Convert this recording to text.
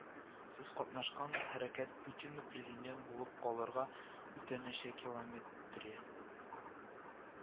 Сез катнашкан ул хәрәкәт Путинны президент булып калырга үтенәчәкилометре